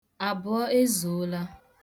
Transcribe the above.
Abụọ ezuola.